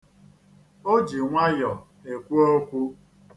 O ji nwayọ ekwu okwu.